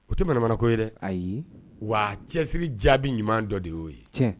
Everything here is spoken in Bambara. O tɛ manamana ko ye wa cɛsiri jaabi ɲuman dɔ de y'o ye